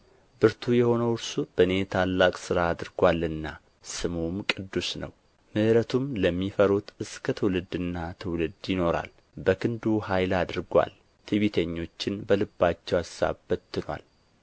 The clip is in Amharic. ብርቱ የሆነ እርሱ በእኔ ታላቅ ሥራ አድርጎአልና ስሙም ቅዱስ ነው ምሕረቱም ለሚፈሩት እስከ ትውልድና ትውልድ ይኖራል በክንዱ ኃይል አድርጎአል ትዕቢተኞችን በልባቸው አሳብ በትኖአል